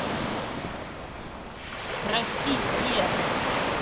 прости сбер